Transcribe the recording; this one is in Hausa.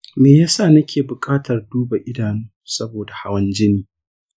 me ya sa nake buƙatar duba idanu saboda hawan jini?